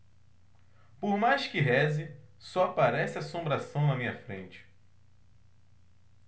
por mais que reze só aparece assombração na minha frente